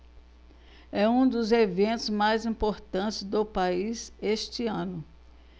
é um dos eventos mais importantes do país este ano